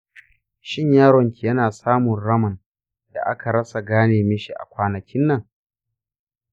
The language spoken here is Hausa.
shin yaron ki yana samun raman da aka rasa gane mishi a kwanakin nan?